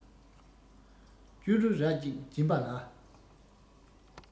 སྐྱུ རུ ར གཅིག བྱིན པ ལ